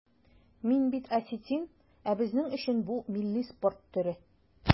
Мин бит осетин, ә безнең өчен бу милли спорт төре.